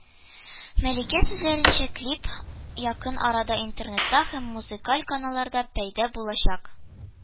Мәликә сүзләренчә, клип якын арада интернетта һәм музыкаль каналларда пәйда булачак